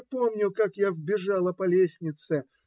Не помню, как я взбежала по лестнице.